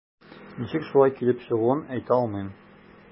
Ничек шулай килеп чыгуын әйтә алмыйм.